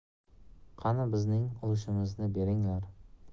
qani bizning ulushimizni beringlar